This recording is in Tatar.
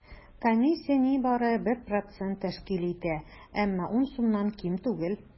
Комиссия нибары 1 процент тәшкил итә, әмма 10 сумнан ким түгел.